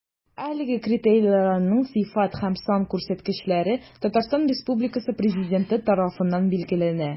Әлеге критерийларның сыйфат һәм сан күрсәткечләре Татарстан Республикасы Президенты тарафыннан билгеләнә.